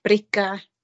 breic a